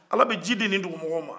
ala bɛ ji di nin dugumɔgɔ man